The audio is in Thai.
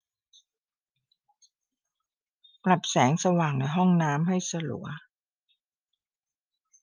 ปรับแสงสว่างในห้องน้ำให้สลัว